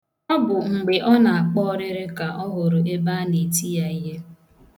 Ọ bụ mgbe ọ na-akpa ọrịrị ka ọ hụrụ ebe a na-eti ya ihe.